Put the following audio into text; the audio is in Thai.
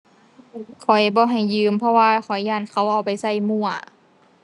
ข้อยบ่ให้ยืม เพราะว่าข้อยย้านเขาเอาไปใช้มั่ว